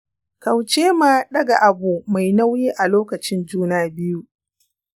kaucema ɗaga abu mai nauyi a lokacin juna-biyu